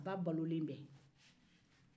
a ba balolen bɛ